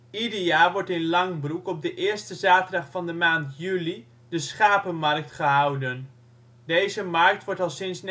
Ieder jaar wordt in Langbroek op de eerste zaterdag van de maand juli De Schapenmarkt gehouden. Deze markt wordt al sinds